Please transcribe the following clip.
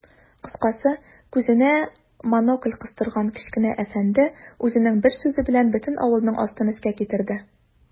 Кыскасы, күзенә монокль кыстырган кечкенә әфәнде үзенең бер сүзе белән бөтен авылның астын-өскә китерде.